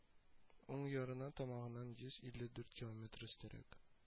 Уң ярына тамагыннан йөз илле дүрт километр өстәрәк